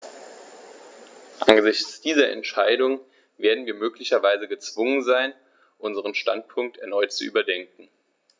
Angesichts dieser Entscheidung werden wir möglicherweise gezwungen sein, unseren Standpunkt erneut zu überdenken.